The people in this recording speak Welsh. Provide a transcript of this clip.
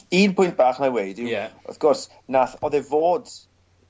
Un pwynt bach 'nai weud yw... Ie. ...wrth gwrs nath o'dd e fod